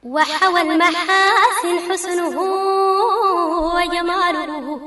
Wa wadugu